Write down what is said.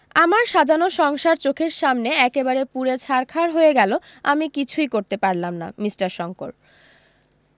আমার সাজানো সংসার চোখের সামনে একেবারে পুড়ে ছারখার হয়ে গেলো আমি কিছুই করতে পারলাম না মিষ্টার শংকর